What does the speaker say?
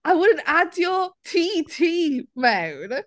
A wedyn adio tŷ ti mewn!